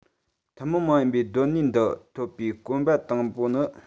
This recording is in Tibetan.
ཐུན མོང མ ཡིན པའི གདོད ནུས འདི ཐོབ པའི གོམ པ དང པོ ནི